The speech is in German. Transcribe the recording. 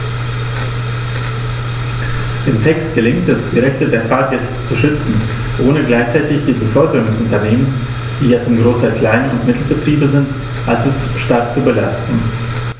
Dem Text gelingt es, die Rechte der Fahrgäste zu schützen, ohne gleichzeitig die Beförderungsunternehmen - die ja zum Großteil Klein- und Mittelbetriebe sind - allzu stark zu belasten.